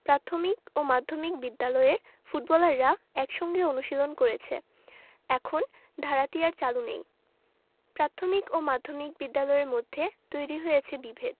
প্রাথমিক ও মাধ্যমিক বিদ্যালয়ের ফুটবলাররা একসঙ্গে অনুশীলন করেছে এখন ধারাটি আর চালু নেই প্রাথমিক ও মাধ্যমিক বিদ্যালয়ের মধ্যে তৈরি হয়েছে বিভেদ